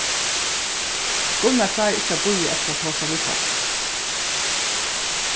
gunnar klárar ikki at bíða eftir at tosa við páll